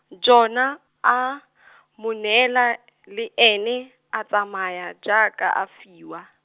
Jona a , mo neela, le ene, a tsamaya jaaka a fiwa.